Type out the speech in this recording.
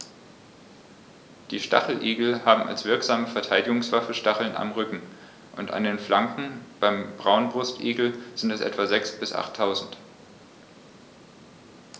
Die Stacheligel haben als wirksame Verteidigungswaffe Stacheln am Rücken und an den Flanken (beim Braunbrustigel sind es etwa sechs- bis achttausend).